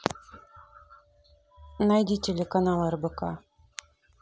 найди телеканал рбк